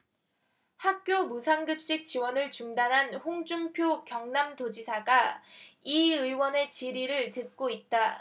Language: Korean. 학교 무상급식 지원을 중단한 홍준표 경남도지사가 이 의원의 질의를 듣고 있다